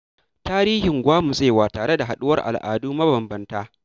Tarihin gwamutsewa tare da haɗuwar al'adu mabambamta